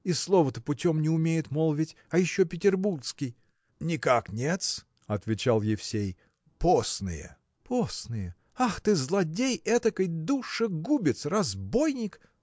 – и слова-то путем не умеет молвить а еще петербургский! – Никак нет-с! – отвечал Евсей, – постные. – Постные! ах ты, злодей этакой! душегубец! разбойник!